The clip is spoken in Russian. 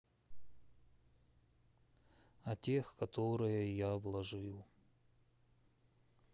о тех которые я вложил